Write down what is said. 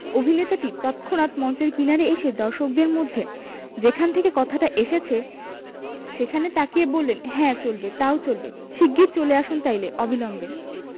অভিনেতাটি তৎক্ষনাত মঞ্চের কিনারে এসে দর্শকদের মধ্যে যেখান থেকে কথাটা এসেছে সেদিকে তাকিয়ে বললেন হ্যাঁ চলবে তাও চলবে শিগগির চলে আসুন তাইলে অবিলম্বে